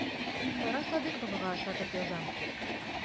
Сара Садыйковага ошатып язам.